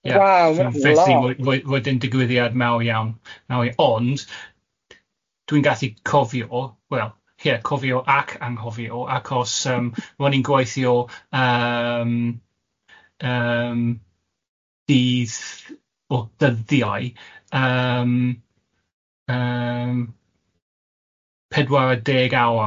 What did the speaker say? Ie... Waw ma hwnna'n lot! ...wedyn digwyddiad mawr iawn, ond dwi'n gallu cofio, wel ie cofio ac anghofio, acos yym ro'n i'n gwaithio yym yym dydd or dyddiau yym yym pedwar deg awy,